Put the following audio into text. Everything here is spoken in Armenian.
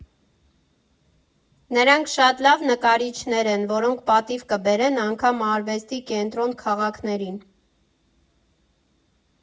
Նրանք շատ լավ նկարիչներ են, որոնք պատիվ կբերեն անգամ արվեստի կենտրոն քաղաքներին։